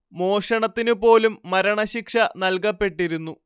മോഷണത്തിനു പോലും മരണ ശിക്ഷ നൽകപ്പെട്ടിരുന്നു